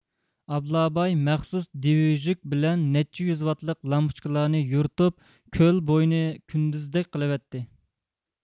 ئابلاباي مەخسۇس دىۋىژۈك بىلەن نەچچە يۈز ۋاتلىق لامپۇچكىلارنى يورۇتۇپ كۆل بويىنى كۈندۈزدەك قىلىۋەتتى